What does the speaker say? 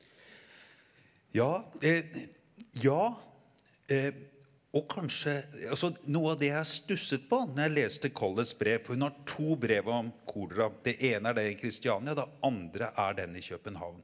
ja ja og kanskje altså noe av det jeg har stusset på når jeg leste Colletts brev for hun har to brev om kolera, det ene er det i Christiania og det andre er den i København.